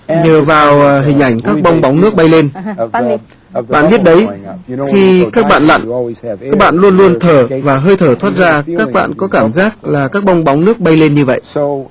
nhờ vào hình ảnh các bong bóng nước bay lên bạn biết đấy khi các bạn nặn các bạn luôn luôn thở và hơi thở thoát ra các bạn có cảm giác là các bong bóng nước bay lên như vậy